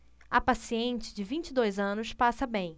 a paciente de vinte e dois anos passa bem